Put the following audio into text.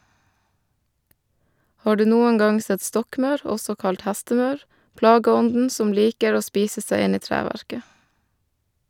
Har du noen gang sett stokkmaur, også kalt hestemaur, plageånden som liker å spise seg inn i treverket?